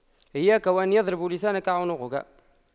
إياك وأن يضرب لسانك عنقك